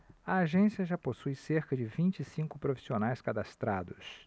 a agência já possui cerca de vinte e cinco profissionais cadastrados